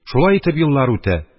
Шулай итеп еллар үтә,